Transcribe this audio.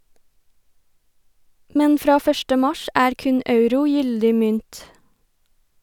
Men fra første mars er kun euro gyldig mynt.